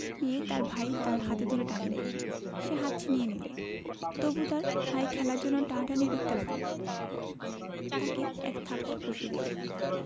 নিয়ে তার ভাই তার হাত ধরে টানলে সে হাত ছিনিয়ে নিলে তবু তার ভাই খেলার জন্যে টানাটানি করতে লাগলে তাকে এক থাপ্পড় বসিয়ে দিলে